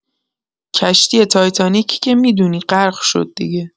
کشتی تایتانیک که می‌دونی غرق شد دیگه!